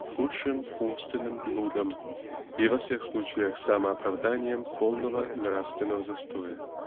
в худшем -- умственным блудом и во всех случаях -- самооправданием полного нравственного застоя.